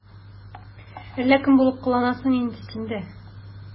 Әллә кем булып кыланасың инде син дә...